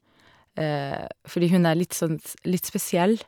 Fordi hun er litt sånn s litt spesiell.